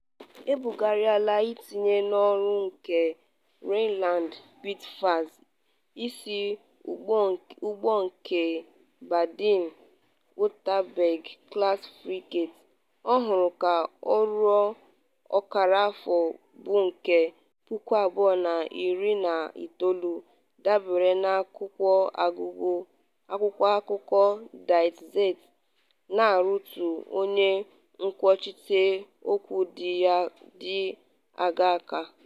Ebugharịala itinye n’ọrụ nke “Rheinland-Pfalz,” isi ụgbọ nke Baden-Wuerttemberg-class frigate ọhụrụ ka o ruo ọkara afọ mbu nke 2019, dabere na akwụkwọ akụkọ Die Zeit, na-arụtụ onye nkwuchite okwu ndị agha aka.